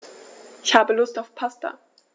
Ich habe Lust auf Pasta.